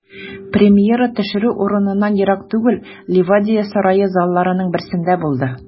Премьера төшерү урыныннан ерак түгел, Ливадия сарае залларының берсендә булды.